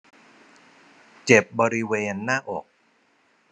เจ็บบริเวณหน้าอก